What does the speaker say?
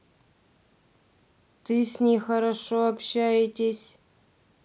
ты с ней хорошо общаетесь